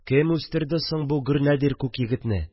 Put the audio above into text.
Кем үстерде соң бу гөрнәдир күк егетне